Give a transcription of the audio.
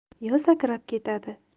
yo sakrab ketadi